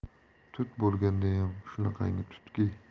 tut bo'lgandayam shunaqangi tutki